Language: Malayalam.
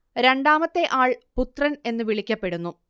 രണ്ടാമത്തെ ആൾ പുത്രൻ എന്ന് വിളിക്കപ്പെടുന്നു